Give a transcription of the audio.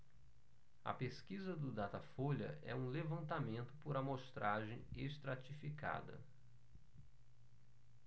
a pesquisa do datafolha é um levantamento por amostragem estratificada